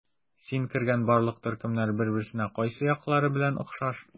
Син кергән барлык төркемнәр бер-берсенә кайсы яклары белән охшаш?